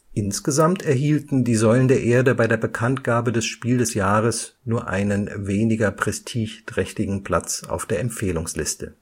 Insgesamt erhielten Die Säulen der Erde bei der Bekanntgabe des Spiels des Jahres nur einen weniger prestigeträchtigen Platz auf der Empfehlungsliste